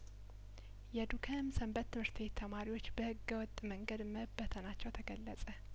የዱከም ሰንበት ትምህርት ቤት ተማሪዎች በህገ ወጥ መንገድ መበተ ናቸው ተገለጸ